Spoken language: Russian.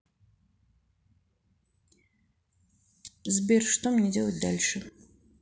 сбер что мне делать дальше